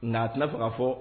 Na a tɛna sɔn k'a fɔ